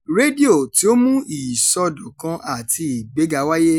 Rédíò tí ó ń mú ìsọdọ̀kan àti ìgbéga wáyé